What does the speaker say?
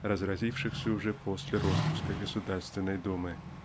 разразившихся уже после роспуска Государственной Думы.